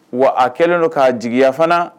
Wa a kɛlen don k'a jigiya fana